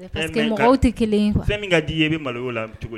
Tɛ kelen fɛn min d i ye bɛ malo la cogo